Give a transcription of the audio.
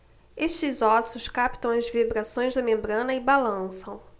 estes ossos captam as vibrações da membrana e balançam